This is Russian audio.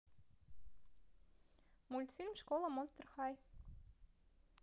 мультфильм школа монстр хай